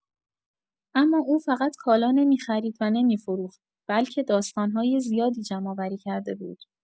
اما او فقط کالا نمی‌خرید و نمی‌فروخت، بلکه داستان‌های زیادی جمع‌آوری کرده بود.